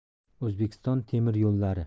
o'zbekiston temir yo'llari